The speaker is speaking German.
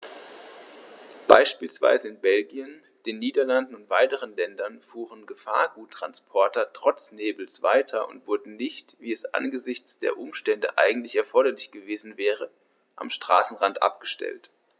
Beispielsweise in Belgien, den Niederlanden und weiteren Ländern fuhren Gefahrguttransporter trotz Nebels weiter und wurden nicht, wie es angesichts der Umstände eigentlich erforderlich gewesen wäre, am Straßenrand abgestellt.